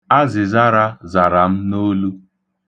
Azịzara zara m n'olu.